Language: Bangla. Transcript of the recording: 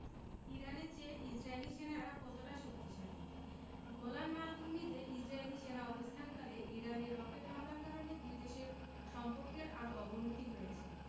ইরানের চেয়ে ইসরায়েলি সেনারা কতটা শক্তিশালী গোলান মালভূমিতে ইসরায়েলি সেনা অবস্থানকালে ইরানের রকেট হামলার কারণে দুই দেশের সম্পর্কের আরও অবনতি হয়েছে